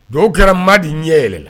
Dɔw kɛra ma de ɲɛ yɛlɛ la